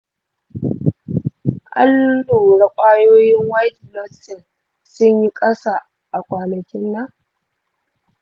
an lura ƙwayoyin white blood cells sun yi ƙasa a kwanakin nan?